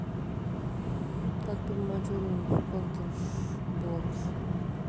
как поднимать уровень в контр блокс